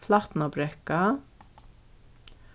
flatnabrekka